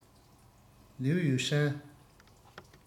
ལིའུ ཡུན ཧྲན